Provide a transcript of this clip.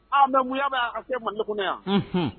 Mɛ munya' ka se ma nekun yan